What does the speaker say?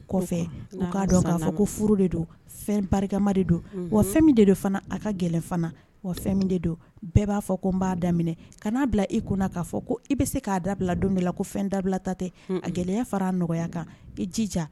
O kɔ, fɛ u ka dɔn k’a fɔ ko furu de don, fɛn barika ma de don, wa fɛn min de don fana, a ka gɛlɛn fana, fɛn de don, bɛɛ b’a fɔ, ko b’a daminɛ, kana bila i kun na, k’i bɛ se ka dabila don la, ko fɛn dabila ta tɛ a gɛlɛya fara nɔgɔya ka i jija